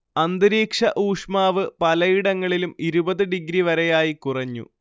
അന്തരീക്ഷഊഷ്മാവ് പലയിടങ്ങളിലും ഇരുപത് ഡിഗ്രി വരെയായി കുറഞ്ഞു